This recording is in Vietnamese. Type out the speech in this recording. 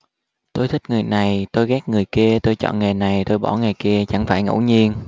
tôi thích người này tôi ghét người kia tôi chọn nghề này tôi bỏ nghề kia chẳng phải ngẫu nhiên